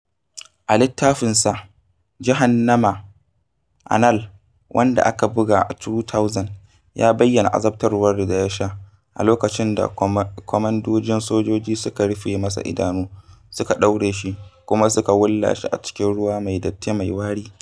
A littafinsa "Jahannama a Inal" wanda aka buga a 2000, ya bayyana azabtarwa da ya sha, a lokacin da kwamandojin sojoji suka rufe masa idanu, suka ɗaure shi, kuma suka wulla shi a cikin ruwa mai datti mai wari.